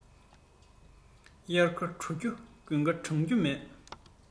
དབྱར ཁ དྲོ རྒྱུ དགུན ཁ གྲང རྒྱུ མེད